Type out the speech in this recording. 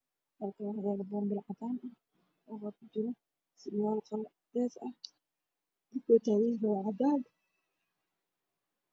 Halkan maxaa yaalo caddaana waxaa ku jira sarwaal meesha yaalan waa caddaan